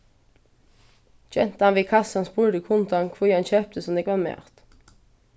gentan við kassan spurdi kundan hví hann keypti so nógvan mat